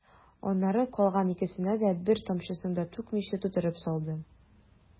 Аннары калган икесенә дә, бер тамчысын да түкмичә, тутырып салды.